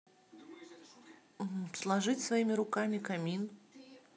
сложить своими руками камин